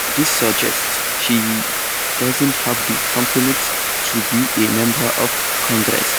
"This suggests she doesn't have the temperament to be a Member of Congress.